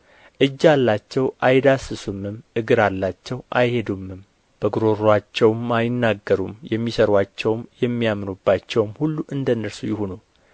እጅ አላቸው አይዳሰሱምም እግር አላቸው አይሄዱምም በጕሮሮአቸውም አይናገሩም የሚሠሩአቸውም የሚያምኑባቸውም ሁሉ እንደ እነርሱ ይሁኑ